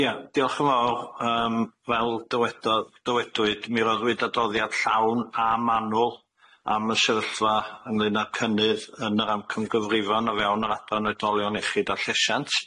Ia diolch yn fawr, yym fel dywedodd dywedwyd mi roddwyd adroddiad llawn a manwl am y sefyllfa ynglŷn â cynnydd yn yr amcangyfrifon o fewn yr adran oedolion iechyd a llesiant.